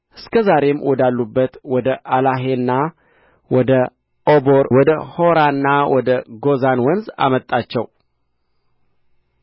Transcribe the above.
እስከ ዛሬም ወዳሉበት ወደ አላሔና ወደ ኦቦር ወደ ሃራና ወደ ጎዛን ወንዝ አመጣቸው